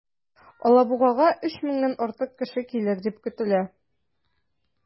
Алабугага 3 меңнән артык кеше килер дип көтелә.